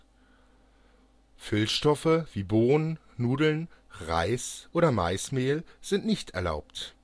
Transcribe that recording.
Füllstoffe wie Bohnen, Nudeln, Reis oder Maismehl sind nicht erlaubt